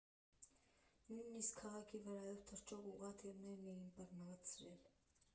Նույնիսկ քաղաքի վրայով թռչող ուղղաթիռներն էի բռնացրել։